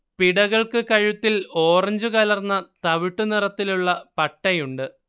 പിടകൾക്ക് കഴുത്തിൽ ഓറഞ്ചു കലർന്ന തവിട്ടുനിറത്തിലുള്ള പട്ടയുണ്ട്